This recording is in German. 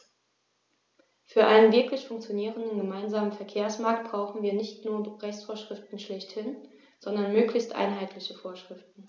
Für einen wirklich funktionierenden gemeinsamen Verkehrsmarkt brauchen wir nicht nur Rechtsvorschriften schlechthin, sondern möglichst einheitliche Vorschriften.